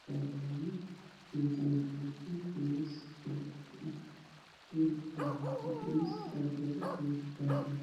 fara badan oo wato qamiisyo